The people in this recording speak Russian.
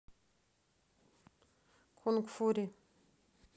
кунг фури